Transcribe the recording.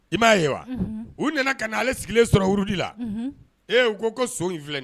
I b'a ye wa u nana ka na ale sigilen sɔrɔurudi la e u ko ko so in filɛ